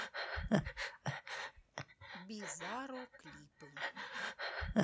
бизаро клипы